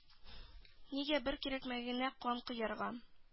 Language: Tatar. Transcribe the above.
Нигә бер кирәкмәгәнгә кан коярга